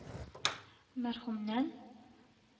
Мәрхүмнән